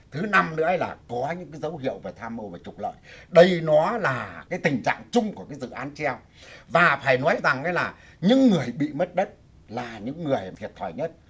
thứ năm nữa lại có những dấu hiệu tham ô trục lợi đây nó là cái tình trạng chung của dự án treo và phải nói rằng í rằng những người bị mất đất là những người thiệt thòi nhất